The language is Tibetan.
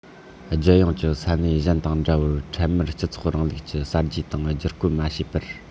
རྒྱལ ཡོངས ཀྱི ས གནས གཞན དང འདྲ བར འཕྲལ མར སྤྱི ཚོགས རིང ལུགས ཀྱི གསར བརྗེ དང སྒྱུར བཀོད མ བྱས པར